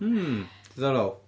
Hmm, ddiddorol.